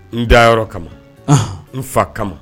N da yɔrɔ kama n fa kama